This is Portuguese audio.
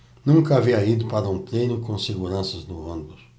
nunca havia ido para um treino com seguranças no ônibus